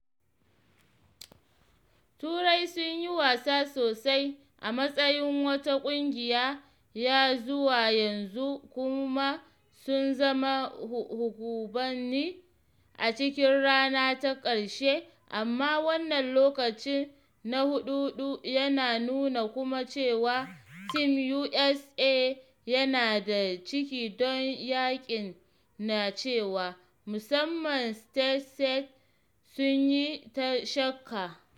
Turai sun yi wasa sosai a matsayin wata ƙungiya ya zuwa yanzu kuma sun zama shugabanni a cikin rana ta ƙarshe amma wannan lokacin na huɗu-huɗun yana nuna kuma cewa Team USA yana da ciki don yaƙin na cewa, musamman Stateside, sun yi ta shakka.